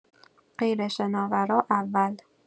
غیر شناورا اول